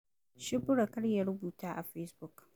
Shuɓra Kar ya rubuta a Fesbuk: